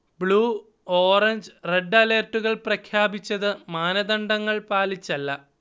blue, orange, red അലർട്ടുകൾ പ്രഖ്യാപിച്ചത് മാനദണ്ഡങ്ങൾ പാലിച്ചല്ല